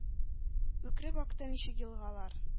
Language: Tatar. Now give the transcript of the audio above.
Үкреп акты ничек елгалар;